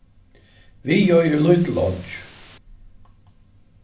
viðoy er lítil oyggj